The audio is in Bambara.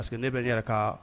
Parce queseke ne bɛ yɛrɛ kan